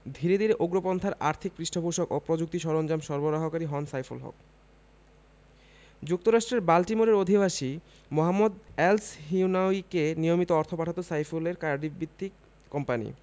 ধীরে ধীরে উগ্রপন্থার আর্থিক পৃষ্ঠপোষক ও প্রযুক্তি সরঞ্জাম সরবরাহকারী হন সাইফুল হক যুক্তরাষ্ট্রের বাল্টিমোরের অধিবাসী মোহাম্মদ এলসহিনাউয়িকে নিয়মিত অর্থ পাঠাত সাইফুলের কার্ডিফভিত্তিক কোম্পানি